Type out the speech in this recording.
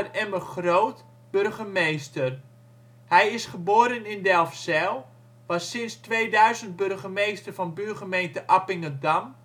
Emme Groot burgemeester. Hij is geboren in Delfzijl, was sinds 2000 burgemeester van buurgemeente Appingedam